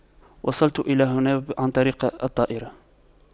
وصلت الى هنا عن طريق الطائرة